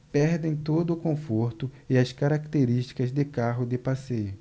perdem todo o conforto e as características de carro de passeio